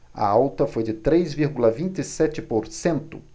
a alta foi de três vírgula vinte e sete por cento